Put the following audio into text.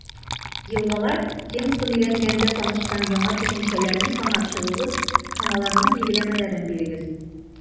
«елгалар» темасын өйрәнгәндә танышкан яңа төшенчәләрне санап чыгыгыз һәм аларның билгеләмәләрен бирегез.